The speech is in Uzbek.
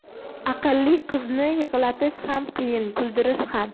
aqlli qizni yig'latish ham qiyin kuldirish ham